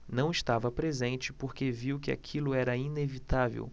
não estava presente porque viu que aquilo era inevitável